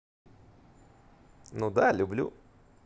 ну да люблю